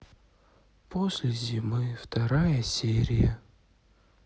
после зимы вторая серия